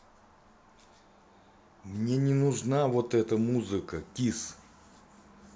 мне не нужна вот эта музыка kiss